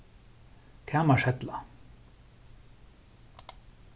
kamarshella